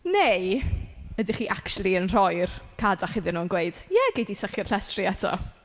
Neu ydych chi acshyli yn rhoi'r cadach iddyn nhw'n gweud "Ie, gei di sychu'r llestri eto."